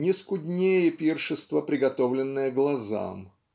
Не скуднее пиршество, приготовленное глазам